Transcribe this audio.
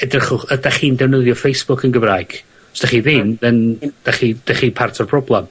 Edrychwch, ydach chi'n defnyddio Facebook yn Gymraeg? Os 'dych chi ddim then 'dych chi 'dychi'n part o'r problam.